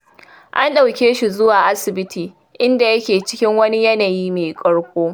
An ɗauke shi zuwa asibiti inda yake cikin wani yanayi “mai ƙarko.”